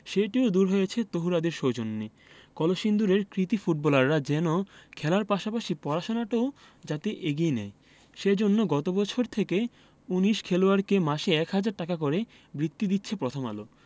সেটিও দূর হয়েছে তহুরাদের সৌজন্যে কলসিন্দুরের কৃতী ফুটবলাররা যেন খেলার পাশাপাশি পড়াশোনাটাও যাতে এগিয়ে নেয় সে জন্য গত বছর থেকে ১৯ খেলোয়াড়কে মাসে ১ হাজার টাকা করে বৃত্তি দিচ্ছে প্রথম আলো